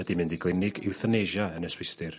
ydi mynd i glinig iwthanesia yn y Swistir.